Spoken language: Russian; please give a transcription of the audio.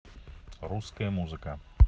русская музыка